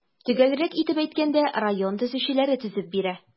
Төгәлрәк итеп әйткәндә, район төзүчеләре төзеп бирә.